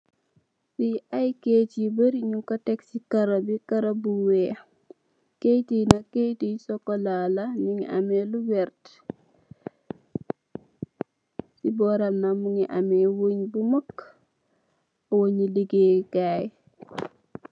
Fi ay gèej yu bari nung ko tekk ci karo bi karo bi weeh. Gèej yu nak gèej yu sokola la mungi ameh lu vert. Ci boram nak mungi ameh wënn bu mag, wënni lègèyèkaay.